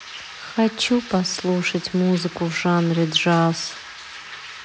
хочу послушать музыку в жанре джаз